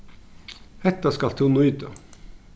hetta skalt tú nýta